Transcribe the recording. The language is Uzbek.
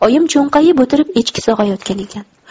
oyim cho'nqayib o'tirib echki sog'ayotgan ekan